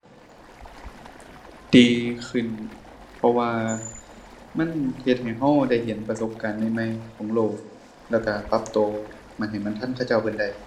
ดีขึ้น เพราะว่ามันเฮ็ดให้เราได้เห็นประสบการณ์ใหม่ใหม่ของโลก แล้วเราปรับเราเหมือนให้มันทันเขาเจ้าขึ้นได้